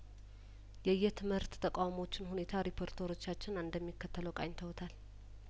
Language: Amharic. የየትምህርት ተቋሞቹን ሁኔታ ሪፖርተሮቻችን እንደሚከተለው ቃኝ ተውታል